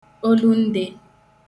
olundē